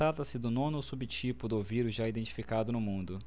trata-se do nono subtipo do vírus já identificado no mundo